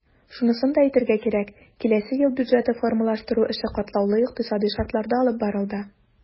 Шунысын да әйтергә кирәк, киләсе ел бюджетын формалаштыру эше катлаулы икътисадый шартларда алып барылды.